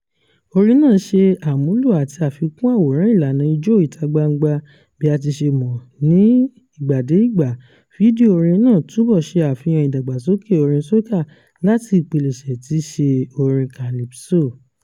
Orin náà ṣe àmúlò àti àfikún àwòrán ìlànà Ijó ìta-gbangba bí a ti ṣe mọ̀ ọ́ ni ìgbà-dé-ìgbà, fídíò orin náà túbọ̀ ṣe àfihàn ìdàgbàsókè orin soca láti ìpilẹ̀ṣẹ̀ tí í ṣe orin calypso.